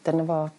dyno fo.